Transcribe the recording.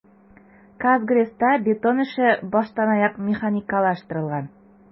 "казгрэс"та бетон эше баштанаяк механикалаштырылган.